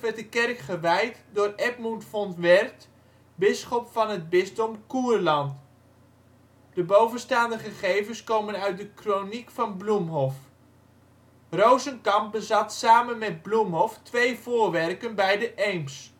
werd de kerk gewijd door Edmund von Werth, bisschop van het Bisdom Koerland. De bovenstaande gegevens komen uit de Kroniek van Bloemhof. Rozenkamp bezat samen met Bloemhof twee voorwerken bij de Eems.